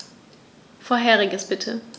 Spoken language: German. Vorheriges bitte.